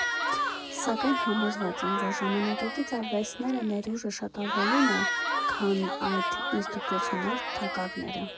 Սակայն, համոզված եմ, որ ժամանակակից արվեստի ներուժը շատ ավելին է, քան այդ ինստիտուցիոնալ թակարդները։